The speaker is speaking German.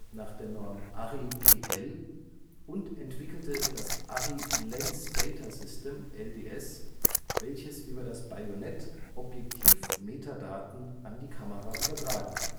nach der Norm Arri PL und entwickelte das ARRI Lens Data System (LDS), welches über das Bajonett Objektiv-Metadaten an die Kamera übertragen kann